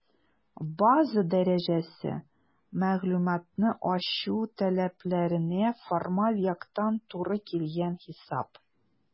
«база дәрәҗәсе» - мәгълүматны ачу таләпләренә формаль яктан туры килгән хисап.